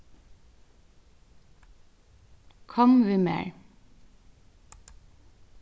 kom við mær